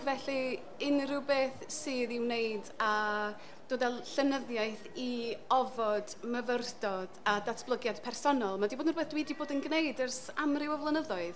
Ac felly, unrhyw beth sydd i wneud a dod â llenyddiaeth i ofod, myfyrdod a datblygiad personol, ma' 'di bod yn rhywbeth dwi 'di bod yn gwneud ers amryw o flynyddoedd.